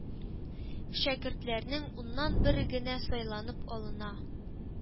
Шәкертләрнең уннан бере генә сайланып алына.